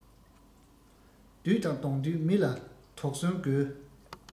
བདུད དང བསྡོངས དུས མི ལ དོགས ཟོན དགོས